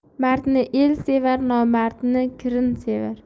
mardni el sevar nomardni kirn sevar